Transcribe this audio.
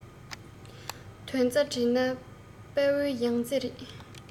དོན རྩ བསྒྲིལ ན དཔལ བོའི ཡང རྩེ རེད